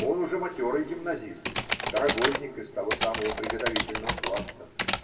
Он уже матерый гимназист: второгодник из того самого приготовительного класса.